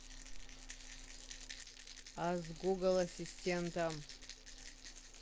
а с гугл ассистентом